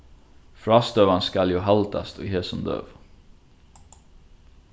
frástøðan skal jú haldast í hesum døgum